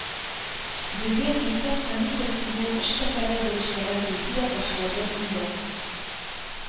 Бүген Инсаф Хәмитов үзенең эш сәфәре бурычларын үти дә башлады инде